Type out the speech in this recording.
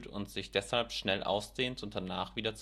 und sich deshalb schnell ausdehnt und danach wieder